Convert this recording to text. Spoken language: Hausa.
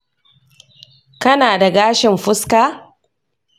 kana da gashin fuska?